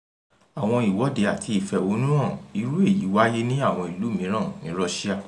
Àwọn ìwọ́de àti ìfẹ̀hónúhàn irú èyí wáyé ní àwọn ìlú mìíràn ní Russia.